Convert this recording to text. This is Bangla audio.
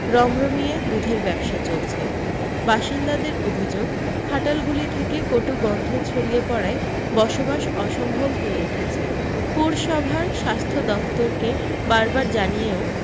রমরমিয়ে দুধের ব্যবসা চলছে বাসিন্দাদের অভি্যোগ খাটালগুলি থেকে কটু গন্ধ ছড়িয়ে পড়ায় বসবাস অসম্ভব হয়ে উঠেছে পুরসভার স্বাস্থ্য দফতরকে বারবার জানিয়েও